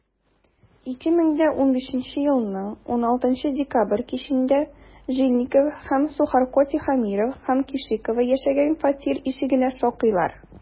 2015 елның 16 декабрь кичендә жильников һәм сухарко тихомиров һәм кешикова яшәгән фатир ишегенә шакыйлар.